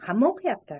hamma o'qiyapti